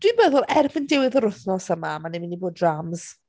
Dwi'n meddwl erbyn diwedd yr wythnos yma, mae 'na mynd i fod drams.